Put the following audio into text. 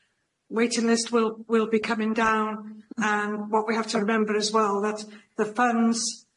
waiting list will will be coming down, and what we have to remember as well, that the funds